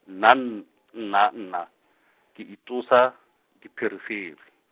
nna n-, nna nna, ke itloša, dipherefere.